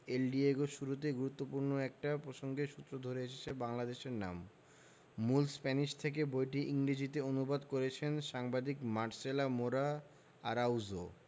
এল Diego র শুরুতেই গুরুত্বপূর্ণ একটা প্রসঙ্গের সূত্র ধরে এসেছে বাংলাদেশের নাম মূল স্প্যানিশ থেকে বইটি ইংরেজিতে অনু্বাদ করেছেন সাংবাদিক মার্সেলা মোরা আরাউজো